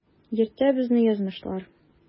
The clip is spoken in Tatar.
Йөртә безне язмышлар.